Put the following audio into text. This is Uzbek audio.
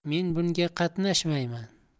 men bunga qatnashmyman